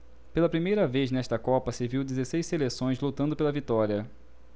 pela primeira vez nesta copa se viu dezesseis seleções lutando pela vitória